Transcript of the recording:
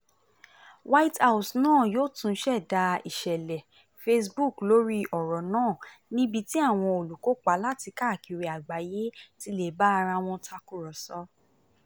White House náà yóò tún ṣẹ̀dá "ìṣẹ̀lẹ̀" Facebook lórí ọ̀rọ̀ náà níbi tí àwọn olùkópa láti káàkiri àgbáyé ti lè bá ara wọn tàkúrọ̀sọ̀.